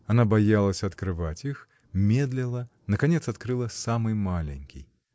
Она боялась открывать их, медлила, наконец открыла самый маленький.